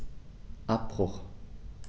Abbruch.